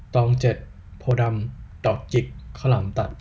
ตองเจ็ดโพธิ์ดำดอกจิกข้าวหลามตัด